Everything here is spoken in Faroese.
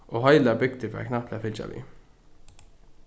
og heilar bygdir fara knappliga at fylgja við